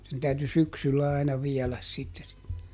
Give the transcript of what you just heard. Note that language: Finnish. sen täytyi syksyllä aina viedä sitten se